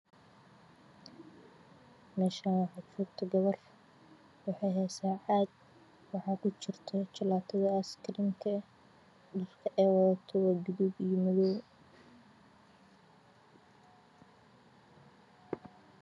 Meshan waxaa joogta gabar waxay heysa caag waxa ku jira jallato ice cream ah dharka ya wadato waa gadud iyo madow